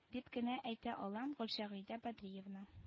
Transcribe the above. Дип кенә әйтә алам гөлшәһидә бәдриевна